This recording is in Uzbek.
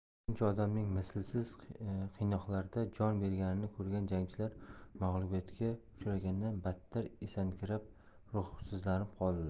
shuncha odamning mislsiz qiynoqlarda jon berganini ko'rgan jangchilar mag'lubiyatga uchragandan battar esankirab ruhsizlanib qoldilar